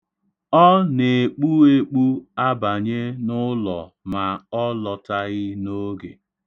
Ọ na-ekpu ekpu abanye n'ụlọ ma ọ lọtaghị n'oge.